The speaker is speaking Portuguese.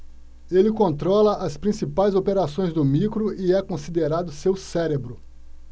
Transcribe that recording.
ele controla as principais operações do micro e é considerado seu cérebro